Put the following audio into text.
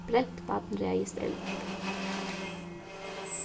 brent barn ræðist eld